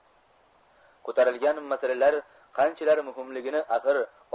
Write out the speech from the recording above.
ko'tarilgan masalalar qanchalar muhimligini axir